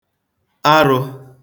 arụ̄